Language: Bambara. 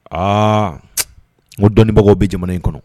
Aa ko dɔnniibagaw bɛ jamana in kɔnɔ